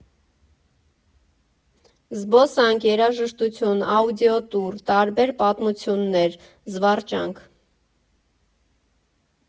Զբոսանք, երաժշտություն, աուդիո֊տուր, տարբեր պատմություններ, զվարճանք.